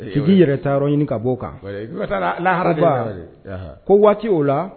Sigi yɛrɛ taa yɔrɔ ɲini ka'o kanhara ko waati o la